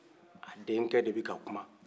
a den kɛ de be ka kuma